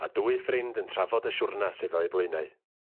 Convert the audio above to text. ...a dwy ffrind yn trafod y siwrna sydd o'u blaenau.